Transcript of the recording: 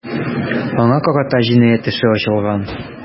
Аңа карата җинаять эше ачылган.